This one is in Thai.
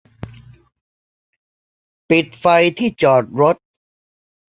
ปิดไฟที่จอดรถ